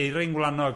Eirin Gwlanog.